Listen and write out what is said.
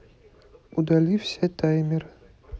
удали все таймеры